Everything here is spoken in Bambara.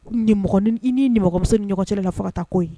Ni nimɔgɔmuso ni ɲɔgɔn cɛ ka faga taa ko ye